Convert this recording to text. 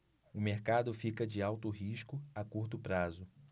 o mercado fica de alto risco a curto prazo